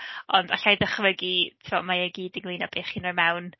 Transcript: Ond alla i ddychmygu tibod, mae e i gyd ynglŷn â be chi'n rhoi mewn.